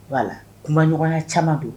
Wala kumaɲɔgɔnya caman don